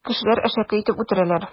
Кешеләр әшәке итеп үтерәләр.